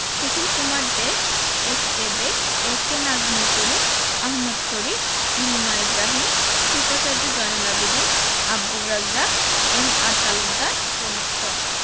Sushil Kumar De S K De A K Nazmul Karim Ahmed Sharif Nilima Ibrahim শিল্পাচার্য Zainul Abedin Abdur Razzaq M R Talukdar প্রমুখ